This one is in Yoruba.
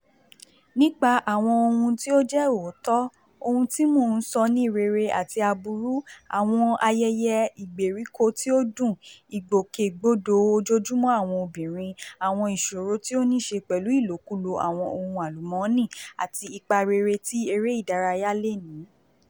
Nípa àwọn ohun tí ó jẹ́ òótọ́, ohun tí mò ń sọ ni rere àti aburú; àwọn ayẹyẹ ìgbèríko tí ó dùn, ìgbòkègbodò ojoojúmọ́ àwọn obìnrin, àwọn ìṣòro tí ó ní ṣe pẹ̀lú ìlòkulò àwọn ohun àlùmọ́ọ́nì, àti ipa rere tí eré ìdárayá lè ní.